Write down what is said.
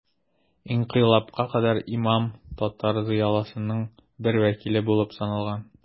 Инкыйлабка кадәр имам татар зыялысының бер вәкиле булып саналган.